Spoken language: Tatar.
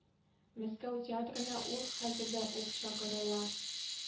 Мәскәү театрына ул хәзердән ук чакыралар